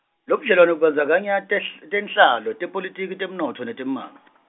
Lobudlelwane kubandzakanya tehl- tenhlalo, tepolitiki, temnotfo netemmango.